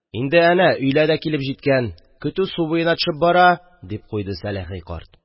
Инде әнә өйлә дә килеп җиткән, көтү су буена төшеп бара, – дип куйды Сәләхи карт.